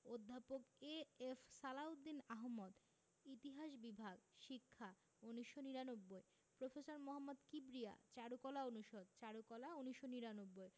অধ্যাপক এ.এফ সালাহ উদ্দিন আহমদ ইতিহাস বিভাগ শিক্ষা ১৯৯৯ প্রফেসর মোহাম্মদ কিবরিয়া চারুকলা অনুষদ চারুকলা ১৯৯৯